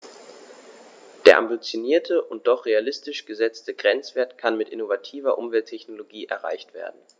Der ambitionierte und doch realistisch gesetzte Grenzwert kann mit innovativer Umwelttechnologie erreicht werden.